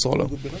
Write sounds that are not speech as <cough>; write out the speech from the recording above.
<hesitation> <hesitation>